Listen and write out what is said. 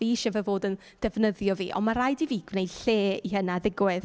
Fi isie fe fod yn defnyddio fi. Ond, ma' raid i fi gwneud lle i hynna ddigwydd.